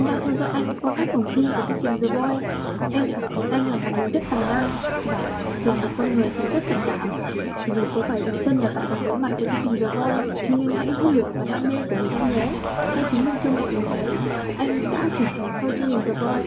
em đã theo dõi anh qua các vòng thi của chương trình dờ voi em cảm thấy anh là một người rất tài năng và là một con người sống rất tình cảm dù có phải dừng chân ở tại vòng đối mặt của chương trình dờ voi nhưng anh hãy giữ lửa và đam mê của mình anh nhé hãy chứng minh cho mọi người thấy anh đã trưởng thành sau chương trình dờ voi